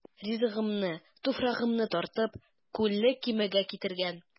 Ризыгыммы, туфрагыммы тартып, Күлле Кимегә китергән.